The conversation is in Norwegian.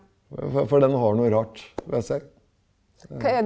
fø for den har noe rart ved seg .